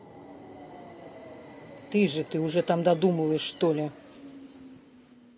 ты же ты уже там додумываешь что ли